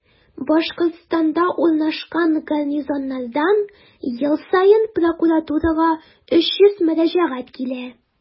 Башкортстанда урнашкан гарнизоннардан ел саен прокуратурага 300 мөрәҗәгать килә.